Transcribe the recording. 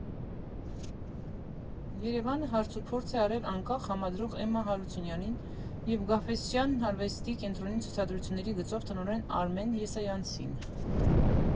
ԵՐԵՎԱՆը հարցուփորձ է արել անկախ համադրող Էմմա Հարությունյանին և Գաֆէսճեան արվեստի կենտրոնի ցուցադրությունների գծով տնօրեն Արմեն Եսայանցին։